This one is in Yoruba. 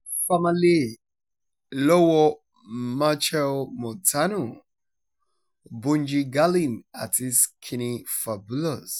3. "Famalay" lọ́wọ́ọ Machel Montano, Bunji Garlin àti Skinny Fabulous